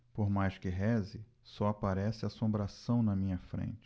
por mais que reze só aparece assombração na minha frente